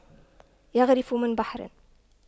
يَغْرِفُ من بحر